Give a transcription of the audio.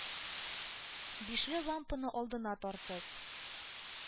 Бишле лампаны алдына тартып,